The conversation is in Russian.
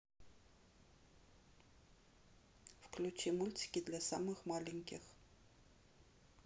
включи мультики для самых маленьких